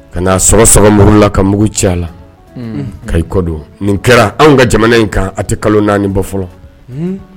Ka n' a sɔrɔ sama muru la ka mugu ci la ka i kodɔn nin kɛra anw ka jamana in kan a tɛ kalo naani bɔ fɔlɔ